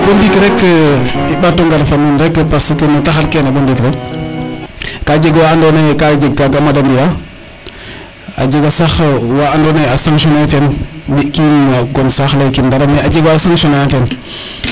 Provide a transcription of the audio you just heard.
bo ndiik rek i ɓati ngar fo nuun rek parce que no taxar kene bo ndik rek ka jeg wa ando naye ka jeg ka ga'ma de mbiya a jega sax wa ando naye a sanction ne ten ne kim gon saxle ley kim dara mais a jega wa sanction ne ena ten